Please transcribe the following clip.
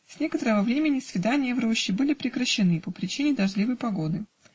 С некоторого времени свидания в роще были прекращены по причине дождливой погоды.